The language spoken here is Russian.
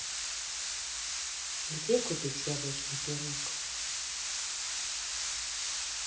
где купить яблочный пирог